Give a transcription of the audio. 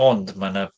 Ond, mae 'na